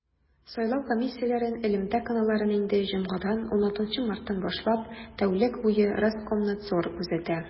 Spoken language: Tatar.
Сайлау комиссияләрен элемтә каналларын инде җомгадан, 16 марттан башлап, тәүлек буе Роскомнадзор күзәтә.